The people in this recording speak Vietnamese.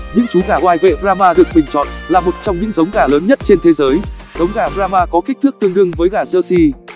những chú gà oai vệ brahma được bình chọn là một trong những giống gà lớn nhất trên thế giới giống gà brahma có kích thước tương đương với gà jersey